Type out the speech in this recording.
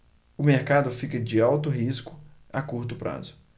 o mercado fica de alto risco a curto prazo